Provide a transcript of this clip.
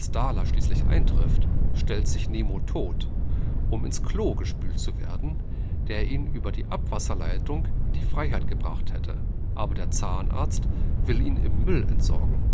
Darla schließlich eintrifft, stellt sich Nemo tot, um ins Klo gespült zu werden, das ihn über die Abwasserleitung in die Freiheit gebracht hätte, aber der Zahnarzt will ihn im Müll entsorgen